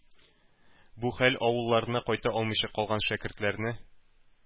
Бу хәл авылларына кайта алмыйча калган шәкертләрне